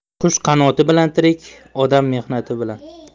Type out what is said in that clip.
qush qanoti bilan tirik odam mehnati bilan